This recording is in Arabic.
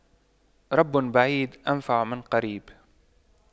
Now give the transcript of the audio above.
رب بعيد أنفع من قريب